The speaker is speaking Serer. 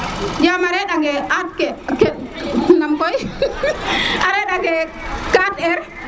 yaam a re ange ak k nam koy a re ange 4R